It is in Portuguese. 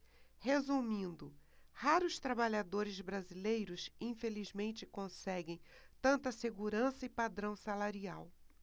resumindo raros trabalhadores brasileiros infelizmente conseguem tanta segurança e padrão salarial